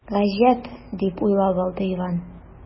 “гаҗәп”, дип уйлап алды иван.